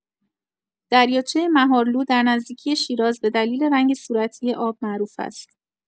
دریاچه مهارلو در نزدیکی شیراز به دلیل رنگ صورتی آب معروف است.